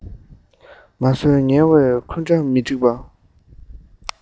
མ བཟོད ངལ བའི འཁུན སྒྲ མི སྒྲོག པ